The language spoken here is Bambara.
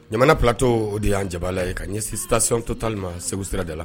Ɲamana platɔ o de y'an ja la ye ka ɲɛ sisitɔtali ma segu sirada la